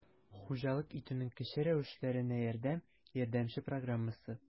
«хуҗалык итүнең кече рәвешләренә ярдәм» ярдәмче программасы